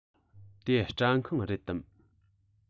དེ སྐྲ ཁང རེད དམ